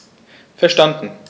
Verstanden.